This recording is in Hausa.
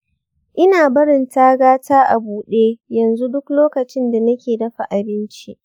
ina barin taga ta a bude yanzu duk lokacin da nake dafa abinci.